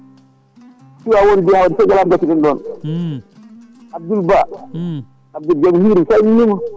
Tivaoune Guiya yen foof * ɗum ɗon Abdoul Ba Abdoul jaam hiiri mi samnima